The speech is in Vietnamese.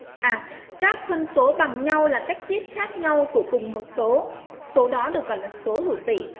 các phân số bằng nhau là cách viết khác nhau của cùng một số số đó được gọi là số hữu tỉ